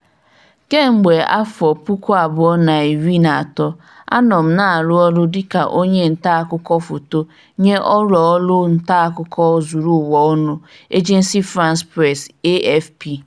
Kemgbe 2013, anọ m na-arụ ọrụ dịka onye nta akụkọ foto nye ụlọ ọrụ nta akụkọ ozuru ụwa ọnụ, Agence France Presse (AFP).